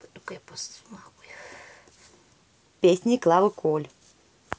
песни клавы коль